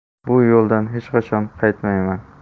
bu yo'ldan hech qachon qaytmayman